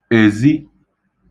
èzi